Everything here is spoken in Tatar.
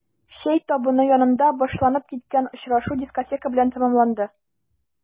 Чәй табыны янында башланып киткән очрашу дискотека белән тәмамланды.